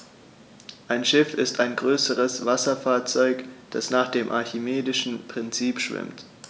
Ein Schiff ist ein größeres Wasserfahrzeug, das nach dem archimedischen Prinzip schwimmt.